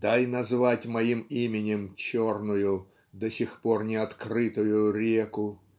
Дай назвать моим именем черную До сих пор неоткрытую реку